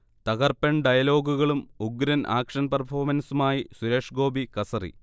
തകർപ്പൻ ഡയലോഗുകളും ഉഗ്രൻ ആക്ഷൻ പെർഫോമൻസുമായി സുരേഷ്ഗോപി കസറി